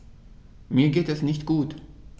Mir geht es nicht gut.